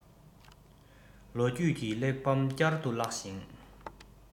ལོ རྒྱུས ཀྱི གླེགས བམ བསྐྱར དུ བཀླགས ཤིང